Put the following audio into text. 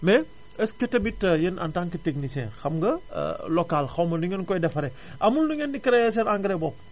mais est ce que tamit yéen en tant que technicien xam nga local xaw ma nu ngeen koy defaree amul nu ngeen i créé seen engrais bopp